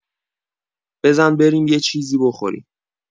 بزن بریم یه چیزی بخوریم